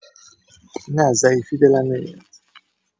نه ضعیفی دلم نمیاد